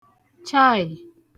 chaị